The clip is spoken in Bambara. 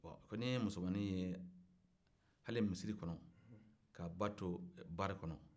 ko ye musomanin hali misiri kɔnɔ k'a ba to bari kɔnɔ